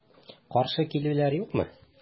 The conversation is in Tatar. Каршы килүләр юкмы?